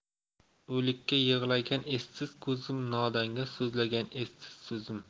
o'likka yig'lagan essiz ko'zim nodonga so'zlagan essiz so'zim